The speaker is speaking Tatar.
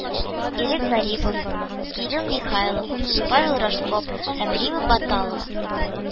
Ирек Зарипов, Кирилл Михайлов, Павел Рожков һәм Рима Баталова